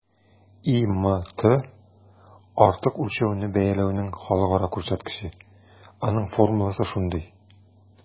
ИМТ - артык үлчәүне бәяләүнең халыкара күрсәткече, аның формуласы шундый: